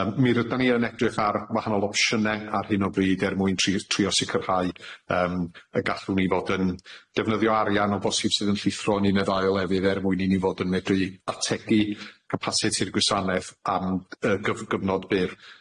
Yym mi rydan ni yn edrych ar wahanol opsiyne ar hyn o bryd er mwyn tri- trio sicrhau yym y gallwn ni fod yn defnyddio arian o bosib sydd yn llithro yn un neu ddau o lefydd er mwyn i ni fod yn medru ategu capasiti'r gwasanaeth am yy gyf- gyfnod byr.